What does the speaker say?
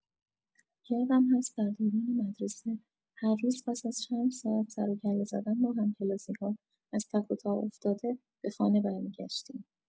یادم هست در دوران مدرسه، هر روز پس از چند ساعت سر و کله زدن با همکلاسی‌ها، از تک و تا افتاده، به خانه برمی‌گشتیم.